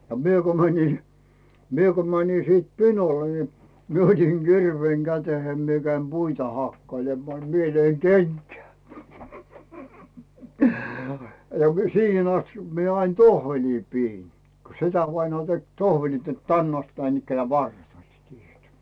a minä kun menin minä kun menin sitten pinolle niin minä otin kirveen käteen minä kävin puita hakkailemaan niin minä löin kenkään ja - siihen asti minä aina tohveleita pidin kun setävainaa teki tohvelit että tänne asti näinikään varret olivat tehdyt